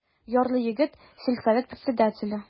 Ярлы егет, сельсовет председателе.